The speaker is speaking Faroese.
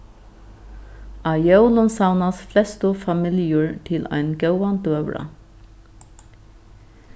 á jólum savnast flestu familjur til ein góðan døgurða